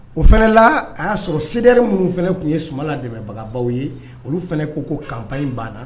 O fanala a y'a sɔrɔ seri minnu fana tun ye sumala dɛmɛbagawbagaw ye olu fana ko ko kanp in bannaana